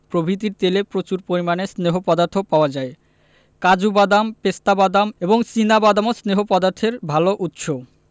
প্রভৃতির তেলে প্রচুর পরিমাণে স্নেহ পদার্থ পাওয়া যায় কাজু বাদাম পেস্তা বাদাম এবং চিনা বাদামও স্নেহ পদার্থের ভালো উৎস